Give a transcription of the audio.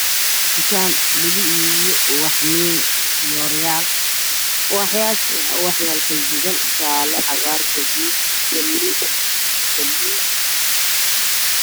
Dukaan lagu iibiyo ubacayaal kale yihiin cagaar gudood ubaxna waa jaalo